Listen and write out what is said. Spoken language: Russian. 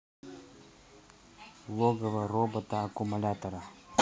логово робота аккумулятора